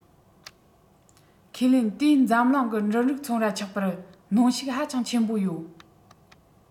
ཁས ལེན དེས འཛམ གླིང གི འབྲུ རིགས ཚོང ར ཆགས པར གནོན ཤུགས ཧ ཅང ཆེན པོ ཡོད